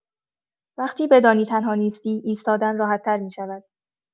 وقتی بدانی تنها نیستی، ایستادن راحت‌تر می‌شود.